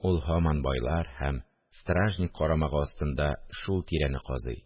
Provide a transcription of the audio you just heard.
Ул һаман байлар һәм стражник карамагы астында шул тирәне казый